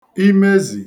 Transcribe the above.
imezì